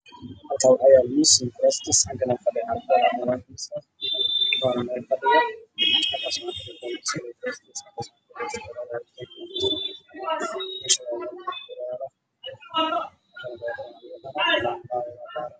Halkaan waxaa ka muuqdo miis jaalo madaw iyo cadaan iskugu jiro waxaa hoos yaalo fadhi jaalo iyo kursi buluug xigeen ah lugahana waa qalin